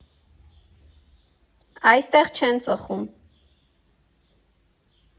Այստեղ չեն ծխում։